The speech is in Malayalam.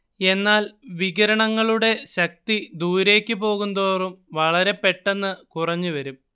എന്നാൽ വികിരണങ്ങളുടെ ശക്തി ദൂരേയ്ക്ക് പോകുന്തോറും വളരെപ്പെട്ടെന്ന് കുറഞ്ഞുവരും